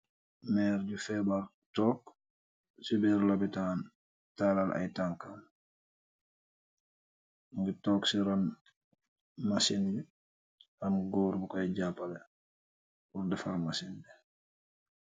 Meer bu feebar toog ci beer lobitaan taalal ay tankam mogi toog ci run masin yu am goor bu koy jappale bur defar masin bi.